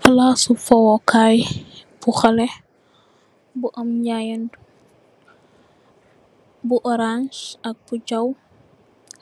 Plass su fuhu kaye bu haleh bu am nyayantu bu orance ak bu jaw